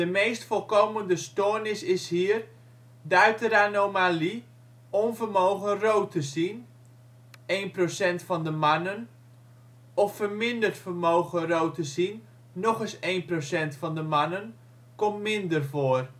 meest voorkomende stoornis is hier deuteranomalie. Onvermogen rood te zien (1 % van de mannen) of verminderd vermogen rood te zien (nog eens 1 % van de mannen) komt minder voor